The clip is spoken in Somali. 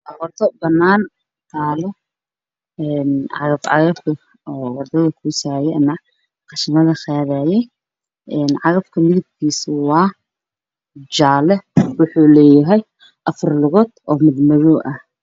Waa wado banaan waxaa taalo cagaf cagaf oo qashinka qaadayo midabkiisu waa jaale waxuu leeyahay afar lugood oo madow ah.